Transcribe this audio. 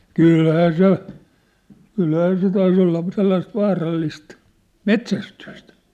kyllähän se kyllähän se taisi olla sellaista vaarallista metsästystä